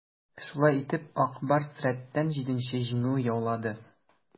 Шулай итеп, "Ак Барс" рәттән җиденче җиңү яулады.